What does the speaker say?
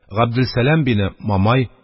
Габделсәлам бине Мамай,